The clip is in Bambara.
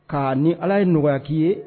Ka ni ala ye nɔgɔya ye